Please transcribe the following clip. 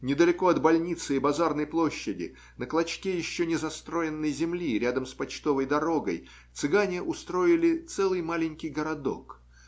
недалеко от больницы и базарной площади, на клочке еще не застроенной земли, рядом с почтовой дорогой, цыгане устроили целый маленький городок.